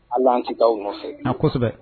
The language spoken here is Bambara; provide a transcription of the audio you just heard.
Ala an tɛ taaaw nɔ nɔfɛ a kosɛbɛ